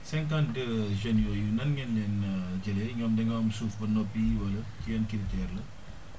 cinquante deux jeunes yooyu nan ngeen leen jëlee ñoom dañoo am suuf ba noppi wala ci yan critères la